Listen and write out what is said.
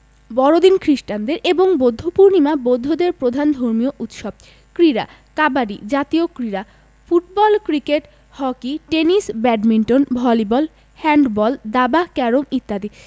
বড়দিন খ্রিস্টানদের এবং বৌদ্ধপূর্ণিমা বৌদ্ধদের প্রধান ধর্মীয় উৎসব ক্রীড়াঃ কাবাডি জাতীয় ক্রীড়া football cricket hockey tennis badminton volleyball handball দাবা ক্যারম ইত্যাদি